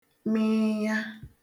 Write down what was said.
mịịya